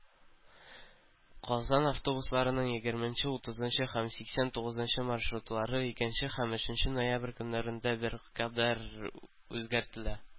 Казан автобусларының егерменче, утызынчы һәм сиксән тугызынчы маршрутлары икенче һәм өченче ноябрь көннәрендә беркадәр үзгәртелә.